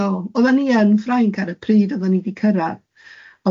Oh. Yym. So, oeddan ni yn Ffrainc ar y pryd oeddan ni di cyrraedd.